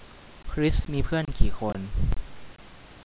คริสมีเพื่อนกี่คน